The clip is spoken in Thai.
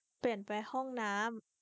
เปลี่ยนไปห้องน้ำ